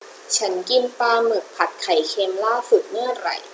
ฉันกินปลาหมึกผัดไข่เค็มล่าสุดเมื่อไหร่